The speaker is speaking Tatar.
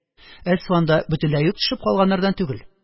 Әсфан да бөтенләй үк төшеп калганнардан түгел,